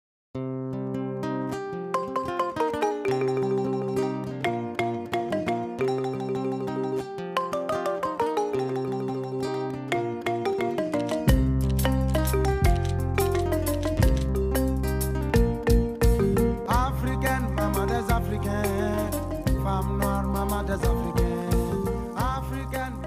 A fkɛnɛ masa kɛ faama mama ma tɛ se kɛ a